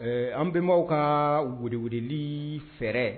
Ɛɛ an bɛnenbaw ka wwli fɛ